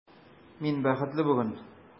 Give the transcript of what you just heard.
Мин бәхетле бүген!